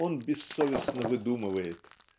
Он бессовестно выдумывает.